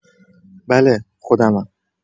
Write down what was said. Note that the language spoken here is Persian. بله، خودمم.